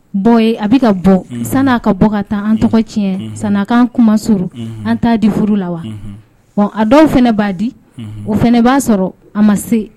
Bon a bɛ ka bɔ san ka bɔ ka taa an tɔgɔ tiɲɛ san kan kumaso an taa di furu la wa wa a dɔw fana b' di o fana b'a sɔrɔ a ma se